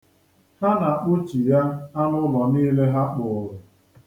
Ha na-akpụchigha anụ ụlọ niile ha kpụụrụ.